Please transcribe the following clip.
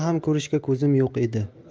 ham ko'rishga ko'zim yo'q edi